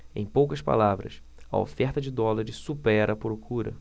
em poucas palavras a oferta de dólares supera a procura